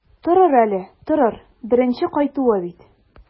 Торыр әле, торыр, беренче кайтуы бит.